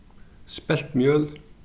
speltmjøl